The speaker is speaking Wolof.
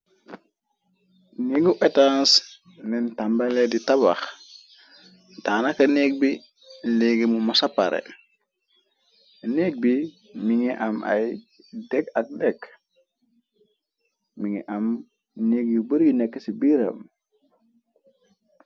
Neeg etens neen tambale di tabax daanaka neeg bi léggimu mosapare neeg bi mongi am ay dékk ak dékk mogi am neeg yu bar yu nekka ci biiram.